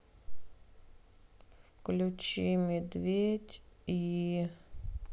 включи медведь и